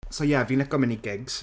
so ie fi'n lico mynd i gigs.